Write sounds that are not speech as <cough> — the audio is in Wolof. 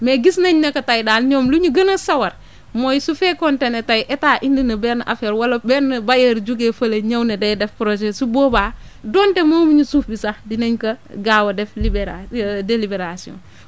mais gis nañ ne que que tey daal ñoom li ñu gën a sawar mooy su fekkonte ne état indi na benn affaire wala benn bailleur jugee fële ñëw ne day def projet su boobaa <breath> donte moomuñu suuf bi sax dinañ ko gaaw a def <hesitation> délibération <breath>